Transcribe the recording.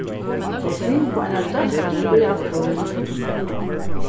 tey fingu eina dóttur í apríl